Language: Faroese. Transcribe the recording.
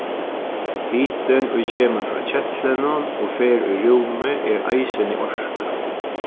hitin ið kemur frá ketlinum og fer í rúmið er eisini orka